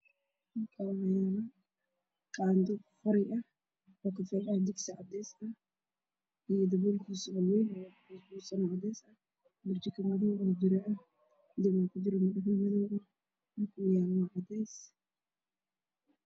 Waa dugsi daf saaran dabka waa burjiko waxaa kor ka saaran daboolka